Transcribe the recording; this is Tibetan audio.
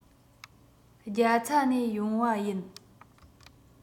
རྒྱ ཚ ནས ཡོང བ ཡིན